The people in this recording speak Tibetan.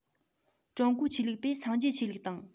ཀྲུང གོའི ཆོས ལུགས པས སངས རྒྱས ཆོས ལུགས དང